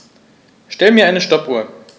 Stell mir eine Stoppuhr.